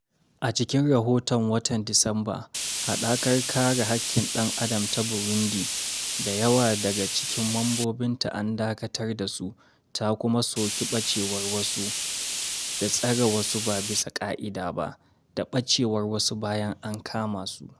A cikin rahoton watan Disamba, hadakar Kare Haƙƙin Dan-Adam ta Burundi — da yawa daga cikin membobinta an dakatar da su — ta kuma soki bacewar wasu, da tsare wasu ba bisa ka'ida ba, da ɓacewar wasu bayan ankama su.